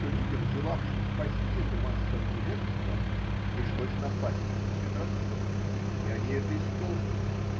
что людям, желавшим спасти эту массу от невежества, пришлось напасть на предрассудок. И они это исполнили.